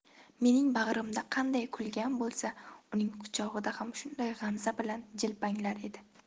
mening bag'rimda qanday kulgan bo'lsa uning quchog'ida ham shunday g'amza bilan jilpanglar edi